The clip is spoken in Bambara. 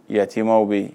Ya temaw bɛ yen